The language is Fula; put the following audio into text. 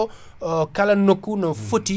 ɓe joogo kala nokku no foti